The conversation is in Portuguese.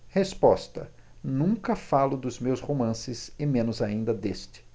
resposta nunca falo de meus romances e menos ainda deste